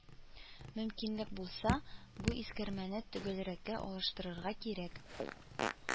Мөмкинлек булса, бу искәрмәне төгәлрәккә алыштырырга кирәк